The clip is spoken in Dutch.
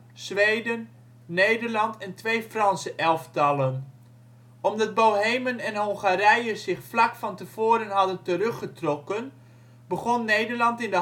Zweden, Nederland en twee Franse elftallen. Omdat Bohemen en Hongarije zich vlak van tevoren hadden teruggetrokken begon Nederland in